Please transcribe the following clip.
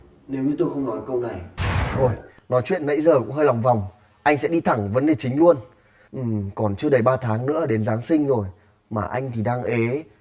nếu như tôi không nói câu này thôi nói chuyện nãy giờ cũng hơi lòng vòng anh sẽ đi thẳng vấn đề chính luôn ừ còn chưa đầy ba tháng nữa đến giáng sinh rồi mà anh thì đang ế